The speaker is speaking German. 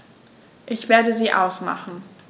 Ich werde sie ausmachen.